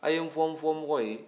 a' ye n fɔ n fɔ mɔgɔ ye